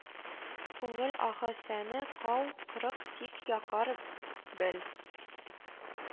Күңел аһы сәне кау кырык тик якар бел